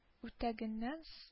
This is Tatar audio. Үтәгәннән со